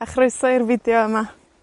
A chroeso i'r fideo yma.